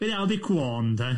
Be' ddiawl di cwôn te?